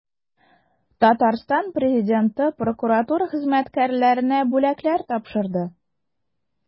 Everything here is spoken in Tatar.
Татарстан Президенты прокуратура хезмәткәрләренә бүләкләр тапшырды.